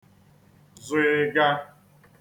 zụ̀ịga